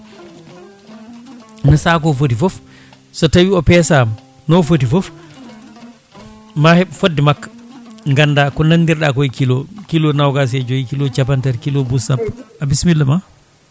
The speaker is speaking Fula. nde sac o footi foof so tawi o peesama no footi foof ma heeb fodde makko ganda ko nanguirɗa ko e kilo kilo nogas e joyyi kilo capantati kilo buuɗi sappo bisimilla ma